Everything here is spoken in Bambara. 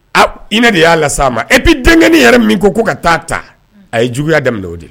I de y'a la ma ep den kelen yɛrɛ min ko ko ka taaa ta a ye juguya dɛmɛ o de